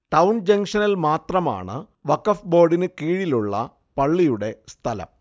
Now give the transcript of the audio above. town ജങ്ഷനിൽ മാത്രമാണ് വഖഫ് ബോർഡിന് കീഴിലുള്ള പള്ളിയുടെ സ്ഥലം